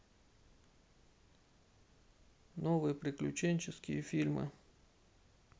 новые приключенческие фильмы